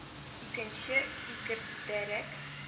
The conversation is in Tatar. Икенче фикердәрәк